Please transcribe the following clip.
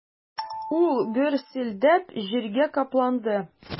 Ул гөрселдәп җиргә капланды.